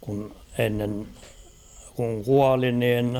kun ennen kun kuoli niin